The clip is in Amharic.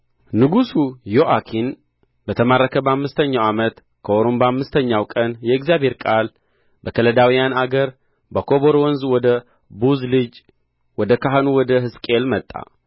ንጉሡ ዮአኪን በተማረከ በአምስተኛው ዓመት ከወሩም በአምስተኛው ቀን የእግዚአብሔር ቃል በከለዳውያን አገር በኮቦር ወንዝ ወደ ቡዝ ልጅ ወደ ካህኑ ወደ ሕዝቅኤል መጣ